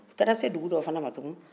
u taara se dugu dɔfana tuguni